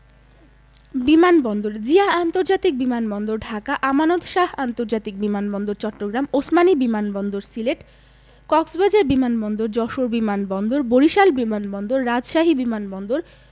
বিমান বন্দরঃ জিয়া আন্তর্জাতিক বিমান বন্দর ঢাকা আমানত শাহ্ আন্তর্জাতিক বিমান বন্দর চট্টগ্রাম ওসমানী বিমান বন্দর সিলেট কক্সবাজার বিমান বন্দর যশোর বিমান বন্দর বরিশাল বিমান বন্দর রাজশাহী বিমান বন্দর